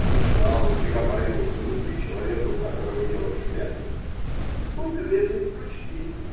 Он ждал и приговаривал с улыбкой человека, у которого дело в шляпе: -- Будь любезен, прочти.